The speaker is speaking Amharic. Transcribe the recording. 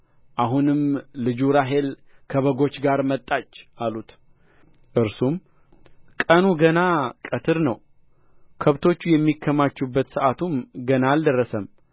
አሁንም ልጁ ራሔል ከበጎች ጋር መጣች አሉት እርሱም ቀኑ ገና ቀትር ነው ከብቶቹ የሚከማቹበት ሰዓቱም ገና አልደረሰም